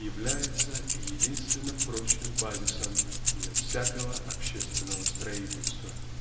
является единственно прочным базисом для всякого общественного строительства.